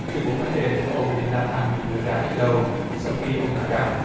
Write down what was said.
tuyên bố nói trên của ông đinh la thăng được đưa ra ít lâu sau khi ông nói rằng